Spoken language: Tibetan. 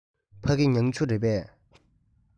ཕ གི མྱང ཆུ རེད པས